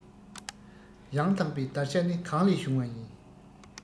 ཡང དག པའི བདར ཤ ནི གང ལས བྱུང བ ཡིན